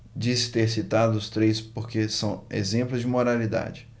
disse ter citado os três porque são exemplos de moralidade